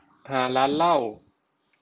หาร้านเหล้า